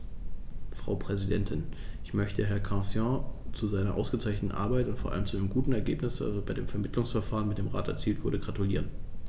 Frau Präsidentin, ich möchte Herrn Cancian zu seiner ausgezeichneten Arbeit und vor allem zu dem guten Ergebnis, das bei dem Vermittlungsverfahren mit dem Rat erzielt wurde, gratulieren.